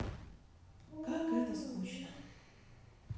как это скучно